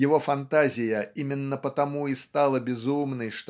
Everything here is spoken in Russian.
его фантазия именно потому и стала безумной